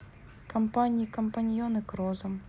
компании компаньоны к розам